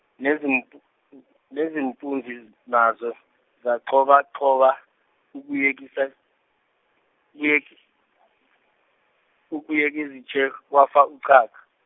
nezimpu- u- nezimpunzi nazo zagxobagxoba okuyiziChw- , okuyiziChwe kwafa ucaca.